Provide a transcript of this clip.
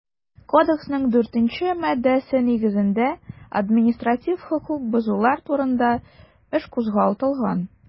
Кодексның 4 нче маддәсе нигезендә административ хокук бозулар турында эш кузгатылган.